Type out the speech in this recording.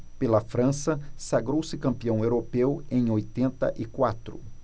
pela frança sagrou-se campeão europeu em oitenta e quatro